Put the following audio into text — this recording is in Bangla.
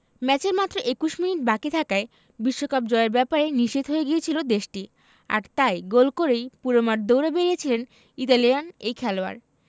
ম্যাচের মাত্র ২১ মিনিট বাকি থাকায় বিশ্বকাপ জয়ের ব্যাপারে নিশ্চিত হয়ে গিয়েছিল দেশটি আর তাই গোল করেই পুরো মাঠ দৌড়ে বেড়িয়েছিলেন ইতালিয়ান এই খেলোয়াড়